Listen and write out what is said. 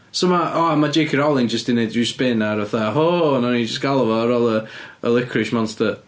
So mae... o a ma... JK Rowling jyst 'di wneud spin ar fatha "O wnawn ni jyst galw fo ar ôl y licorice monster".